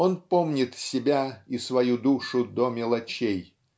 он помнит себя и свою душу до мелочей.